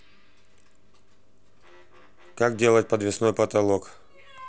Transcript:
как делать подвесной потолок